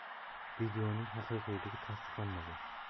videoning haqiqiyligi tasdiqlanmagan